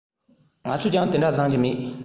ང ཚོས ཀྱང དེ འདྲ བཟང རྒྱུ མེད